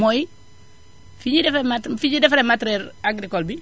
mooy fi ñuy defee maté fi ñuy defaree matériel agricoles bi